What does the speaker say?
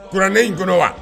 Urannen in jɔ wa